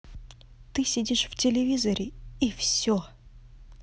ты сидишь в телевизоре и все